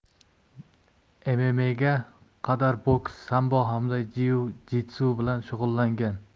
mma'ga qadar boks sambo hamda jiu jitsu bilan shug'ullangan